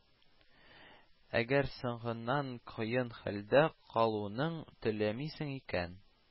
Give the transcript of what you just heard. Әгәр соңыннан кыен хәлдә калуыңны теләмисең икән,